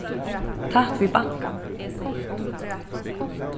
tætt við bankan